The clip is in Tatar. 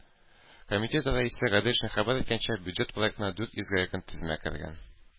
Комитет рәисе Гаделшин хәбәр иткәнчә, бюджет проектына дүрт йөзгә якын төзәтмә кергән.